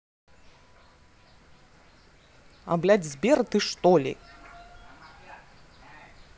а блядь сбер ты что ли